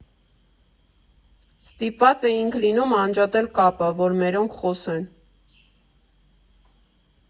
Ստիպված էինք լինում անջատել կապը, որ մերոնք խոսեն։